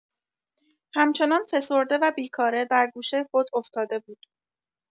همچنان فسرده و بیکاره در گوشه خود افتاده بود.